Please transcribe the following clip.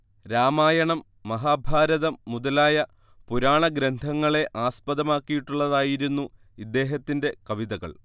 രാമായണം മഹാഭാരതം മുതലായ പുരാണഗ്രന്ഥങ്ങളെ ആസ്പദമാക്കിയിട്ടുള്ളതായിരുന്നു ഇദ്ദേഹത്തിന്റെ കവിതകൾ